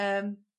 yym